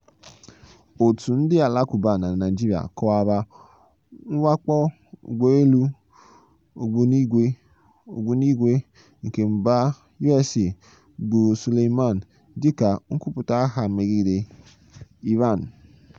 Òtù ndị Alakụba na Naịjirịa kọwara mwakpo ụgbọelu ogbunigwe nke mba US gburu Soleimani dị ka "nkwupụta agha megide Iran".